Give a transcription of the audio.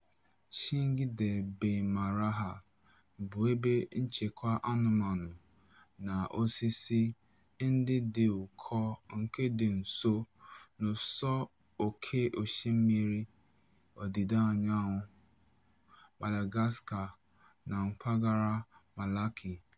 Tsingy de Bemaraha bụ ebe nchekwa anụmanụ na osisi ndị dị ụkọ nke dị nso n'ụsọ oké osimiri ọdịda anyanwụ Madagascar na mpaghara Melaky.